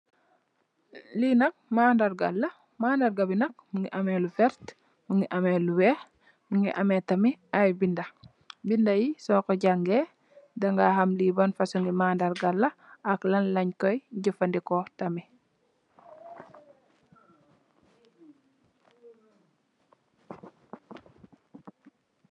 Lii nak mandarr gah la, mandarr gah bii nak mungy ameh lu vert, mungy ameh lu wekh, mungy ameh tamit aiiy binda, binda yii sor kor jangeh danga ham lii ban fasoni mandarr gah la ak lan langh koi jeufandehkor tamit.